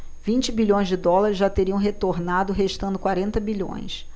vinte bilhões de dólares já teriam retornado restando quarenta bilhões